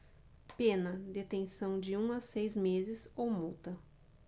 pena detenção de um a seis meses ou multa